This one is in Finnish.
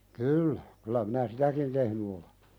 kyllä kyllä minä sitäkin tehnyt olen